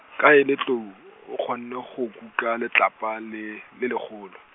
ka e le tlou, o kgonne go kuka letlapa le, le legolo.